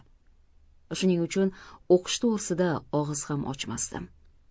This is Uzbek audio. shuning uchun o'qish to'g'risida og'iz ham ochmasdim